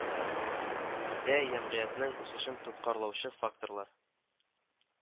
Илдә әмгыятьнең үсешен тоткарлаучы факторлар